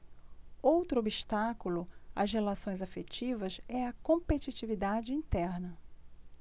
outro obstáculo às relações afetivas é a competitividade interna